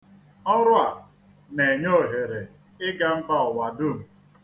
Ọrụ a na-enye ohere ịga mba ụwa dum.